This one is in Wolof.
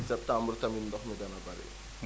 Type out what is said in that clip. septambre tamit ndox mi dana bëri